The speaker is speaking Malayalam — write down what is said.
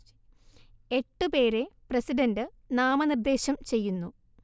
എട്ട് പേരെ പ്രസിഡന്റ് നാമനിർദ്ദേശം ചെയ്യുന്നു